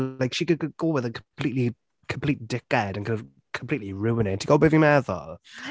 Like she could g- go with a completely… complete dickhead and c- completely ruin it, ti’n gwybod be fi’n meddwl?